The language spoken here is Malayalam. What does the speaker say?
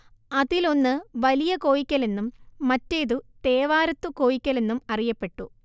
അതിലൊന്ന് വലിയ കോയിക്കലെന്നും മറ്റേതു തേവാരത്തു കോയിക്കലെന്നും അറിയപ്പെട്ടു